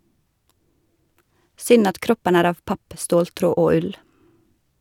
Synd at kroppen er av papp, ståltråd og ull.